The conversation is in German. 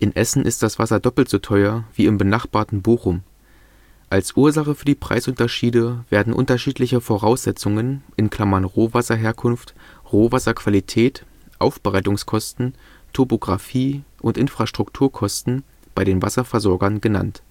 Essen ist das Wasser doppelt so teuer wie im benachbarten Bochum. Als Ursache für die Preisunterschiede werden unterschiedliche Voraussetzungen (Rohwasserherkunft, Rohwasserqualität, Aufbereitungskosten, Topografie, Infrastrukturkosten) bei den Wasserversorgern genannt